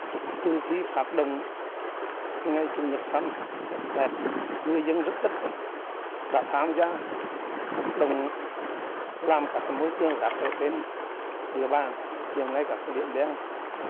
từ khi phác động ngày chủ nhật xanh sạch đẹp người dân rất tích cực đã tham gia hoạt động làm các môi trường rạc ở trên địa bàng hiện nay các điểm đeng